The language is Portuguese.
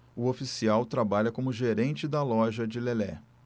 o oficial trabalha como gerente da loja de lelé